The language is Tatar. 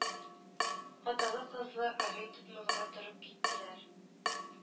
Аталы-кызлы амин тотмый гына торып киттеләр